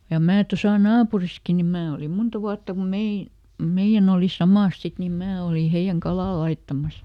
ja minä tuossa naapurissakin niin minä olin monta vuotta kun meidän meidän oli samassa sitten niin minä olin heidän kalaa laittamassa